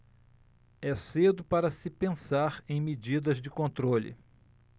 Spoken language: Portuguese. é cedo para se pensar em medidas de controle